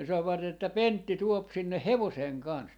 ne sanoivat että Pentti tuo sinne hevosen kanssa